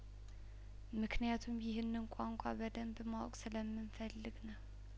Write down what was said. ምክንያቱም ይህንን ቋንቋ በደንብ ማወቅ ስለምን ፈልግ ነው